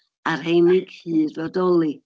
a'r rheini'n cyd-fodoli.